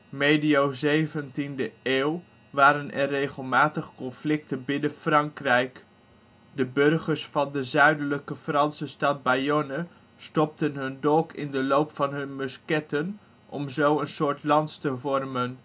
Medio zeventiende eeuw waren er regelmatig conflicten binnen Frankrijk. De burgers van de zuidelijke Franse stad Bayonne stopten hun dolk in de loop van hun musketten om zo een soort lans te vormen